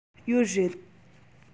ཡོད རེད